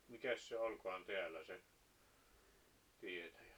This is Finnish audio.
mikäs se olikaan täällä se tietäjä